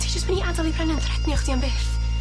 Ti jyst myn' i ad'el i Brennan thretnio chdi am byth?